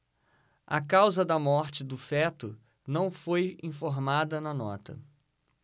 a causa da morte do feto não foi informada na nota